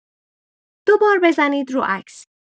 دوبار بزنید رو عکس